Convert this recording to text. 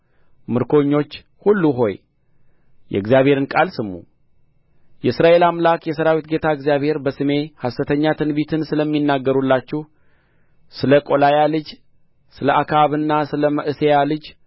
ምርኮኞች ሁሉ ሆይ የእግዚአብሔርን ቃል ስሙ የእስራኤል አምላክ የሠራዊት ጌታ እግዚአብሔር በስሜ ሐሰተኛ ትንቢትን ስለሚናገሩላችሁ ስለ ቆላያ ልጅ ስለ አክዓብና ስለ መዕሤያ ልጅ